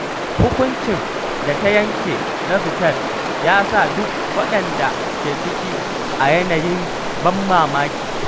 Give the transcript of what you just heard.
Hukuncin da ta yanke na fitar ya sa duk waɗanda ke ciki a yanayin ban mamaki.